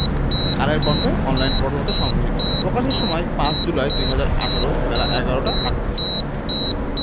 কালের কন্ঠের online portal হতে সংগৃহীত প্রকাশের সময় ৫ জুলাই ২০১৮ বেলা ১১টা ৩৮ মিনিট